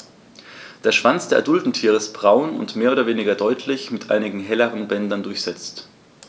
Der Schwanz der adulten Tiere ist braun und mehr oder weniger deutlich mit einigen helleren Bändern durchsetzt.